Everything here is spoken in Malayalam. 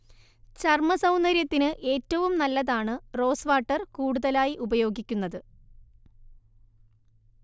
ചർമ്മ സൗന്ദര്യത്തിന് ഏറ്റവും നല്ലതാണ് റോസ് വാട്ടർ കൂടുതലായി ഉപയോഗിക്കുന്നത്